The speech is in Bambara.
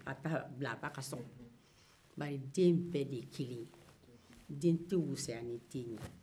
bari den bɛɛ de ye kelen ye den tɛ fisaya ni den ye